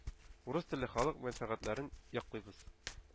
«урыс телле халык» мәнфәгатьләрен яклыйбыз,